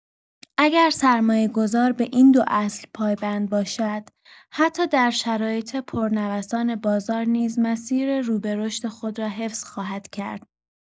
اگر سرمایه‌گذار به این دو اصل پایبند باشد، حتی در شرایط پرنوسان بازار نیز مسیر رو به رشد خود را حفظ خواهد کرد.